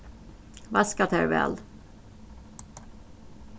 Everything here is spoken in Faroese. vaska tær væl